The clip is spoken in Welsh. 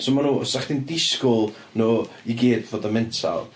So maen nhw... 'sa chdi'n disgwyl nhw i gyd fod yn mental.